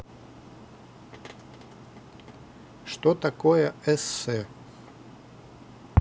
что такое эссе